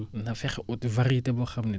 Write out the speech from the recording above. na fexe ut variété boo xam ne